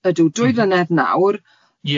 Ydw, dwy flynedd nawr... Ie.